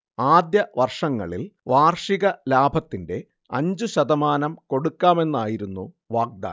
ആദ്യവർഷങ്ങളിൽ വാർഷിക ലാഭത്തിന്റെ അഞ്ചു ശതമാനം കൊടുക്കാമെന്നായിരുന്നു വാഗ്ദാനം